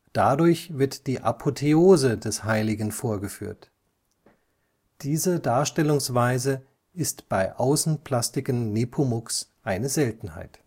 Dadurch wird die Apotheose des Heiligen vorgeführt. Diese Darstellungsweise ist bei Außenplastiken Nepomuks eine Seltenheit